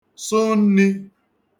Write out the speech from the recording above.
sụ nnī